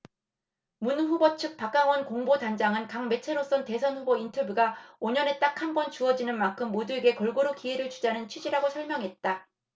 문 후보 측 박광온 공보단장은 각 매체로선 대선 후보 인터뷰가 오 년에 딱 한 번 주어지는 만큼 모두에게 골고루 기회를 주자는 취지라고 설명했다